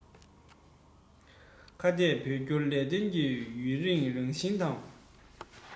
ཁ གཏད བོད སྐྱོར ལས དོན གྱི ཡུན རིང རང བཞིན དང